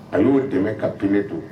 A y'o dɛmɛ ka pebe to